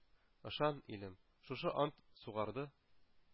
Ышан, илем, шушы ант сугарды